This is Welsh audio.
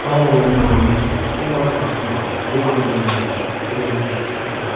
Oh no I missed this. "Ooh I'll start tomorrow." "Oh I'll do it another hour." "Oh l-..." like, stuff like that.*